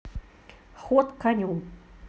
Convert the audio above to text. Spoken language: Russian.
ход конем